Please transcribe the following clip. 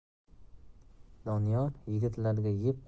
doniyor yigitlarga yeb